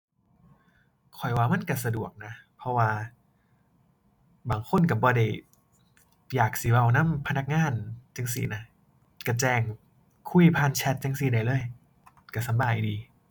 ข้อยว่ามันก็สะดวกนะ เพราะว่าบางคนก็บ่ได้อยากสิเว้านำพนักงานจั่งซี้นะ ก็แจ้งคุยผ่านแชตจั่งซี้ได้เลย ก็สำบายดี